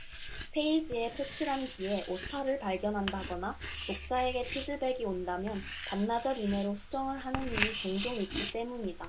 페이지에 표출한 뒤에 오타를 발견한다거나 독자에게 피드백이 온다면 반나절 이내로 수정을 하는 일이 종종 있기 때문이다